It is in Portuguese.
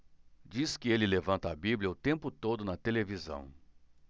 diz que ele levanta a bíblia o tempo todo na televisão